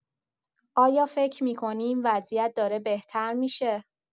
آیا فکر می‌کنی این وضعیت داره بهتر می‌شه؟